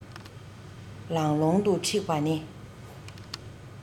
ལང ལོང དུ འཁྲིགས པ ནི